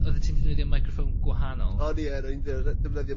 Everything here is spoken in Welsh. oddet ti'n defnyddi meicroffon gwahanol. O'n ie rwy'n der- yy defnyddio...